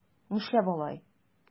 Нишләп алай?